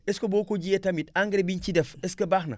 est ce que boo ko jiyee tamit engrais bi nga ciy def est ce que baax na